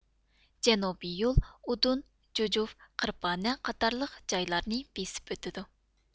جەنۇبىي يول ئۇدۇن جۇجۇف قىرپانە قاتارلىق جايلارنى بېسىپ ئۆتىدۇ